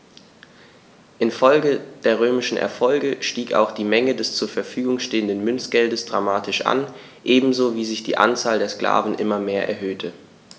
Infolge der römischen Erfolge stieg auch die Menge des zur Verfügung stehenden Münzgeldes dramatisch an, ebenso wie sich die Anzahl der Sklaven immer mehr erhöhte.